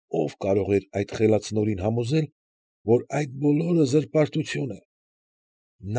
Ո՞վ կարող էր այդ խելացնորին համոզել, որ այդ բոլորը զրպարտություն է։